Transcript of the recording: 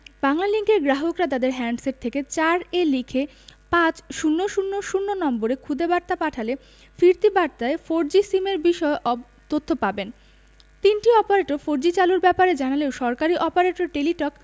বাংলালিংকের গ্রাহকরা তাদের হ্যান্ডসেট থেকে ৪ এ লিখে পাঁচ শূণ্য শূণ্য শূণ্য নম্বরে খুদে বার্তা পাঠালে ফিরতি বার্তায় ফোরজি সিমের বিষয়ে তথ্য পাবেন তিনটি অপারেটর ফোরজি চালুর ব্যাপারে জানালেও সরকারি অপারেটর টেলিটক